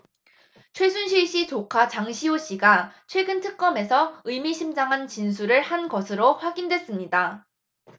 최순실 씨 조카 장시호 씨가 최근 특검에서 의미심장한 진술을 한 것으로 확인됐습니다